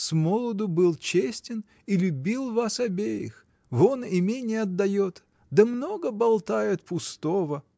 смолоду был честен и любил вас обеих: вон имение отдает, да много болтает пустого.